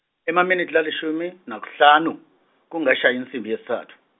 Emaminitsi lalishumi, nakuhlanu, kungekashayi insimbi yesitsatfu.